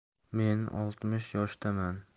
men oltmish yoshdaman